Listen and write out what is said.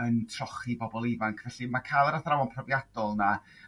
yn trochi bobol ifanc. Felly ma' ca'l yr athrawon profiadol 'na